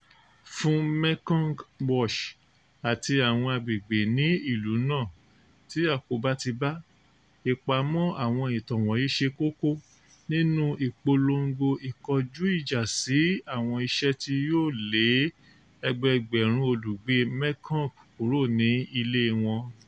Fún Mekong Watch àti àwọn agbègbè ní ìlú náà tí àkóbá ti bá, ìpamọ́ àwọn ìtàn wọ̀nyí ṣe kókó nínú ìpolongo ìkọjú-ìjà sí àwọn iṣẹ́ tí yóò lé ẹgbẹẹgbẹ̀rún olùgbé Mekong kúrò ní ilée wọn: